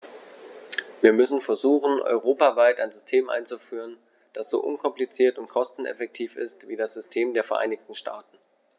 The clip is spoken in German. Wir müssen versuchen, europaweit ein System einzuführen, das so unkompliziert und kosteneffektiv ist wie das System der Vereinigten Staaten.